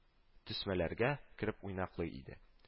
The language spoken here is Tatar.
Төсмәләргә кереп уйнаклый иде